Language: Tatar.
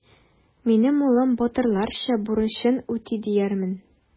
Минем улым батырларча бурычын үти диярмен.